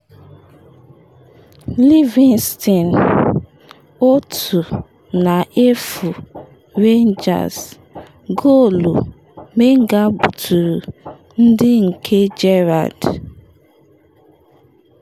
Livingston 1-0 Rangers: Goolu Menga buturu ndị nke Gerrard